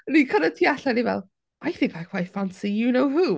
O'n ni'n cyrraedd tu allan, o'n i fel "I think I quite fancy you-know-who".